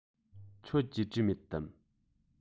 ཁྱོད ཀྱིས བྲིས མེད དམ